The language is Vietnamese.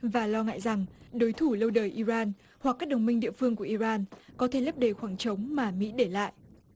và lo ngại rằng đối thủ lâu đời i ran hoặc các đồng minh địa phương của i ran có thể lấp đầy khoảng trống mà mỹ để lại